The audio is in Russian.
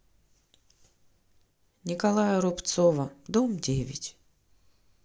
николая рубцова дом девять